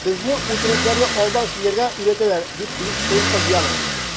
Безне үтенечләрне алдан сизәргә өйрәтәләр, - дип сөйли студент кыз Яна.